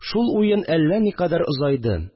Шул уен әллә никадәр озайды